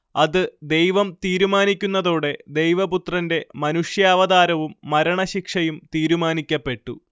അത് ദൈവം തീരുമാനിക്കുന്നതോടെ ദൈവപുത്രന്റെ മനുഷ്യാവതാരവും മരണശിക്ഷയും തീരുമാനിക്കപ്പെട്ടു